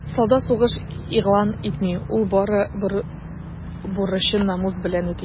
Солдат сугыш игълан итми, ул бары бурычын намус белән үти.